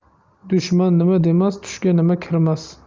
dushman nima demas tushga nima kirmas